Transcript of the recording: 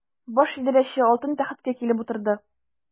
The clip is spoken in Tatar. Баш идарәче алтын тәхеткә килеп утырды.